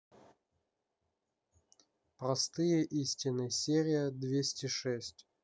простые истины серия двести шесть